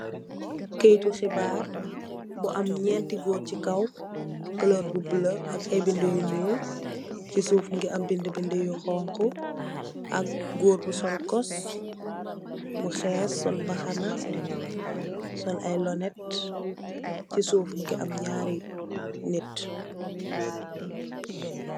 Kayiti xibaar bu am ñeenti goor,.kuloor bi bulo...Ci suuf mu ngi am Binda Binda you xonxu, ak goor gu sol kos, mu xees sol mbaxana, sol ay lonnet, ci suuf mu ngi am ñaari nit.